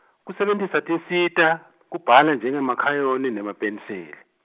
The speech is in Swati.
kusebentisa tinsita, kubhala njengemakhrayoni nemapeniseli.